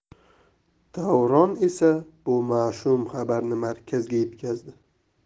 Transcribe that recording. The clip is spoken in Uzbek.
davron esa bu mashum xabarni markazga yetkazdi